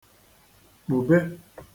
kpùbe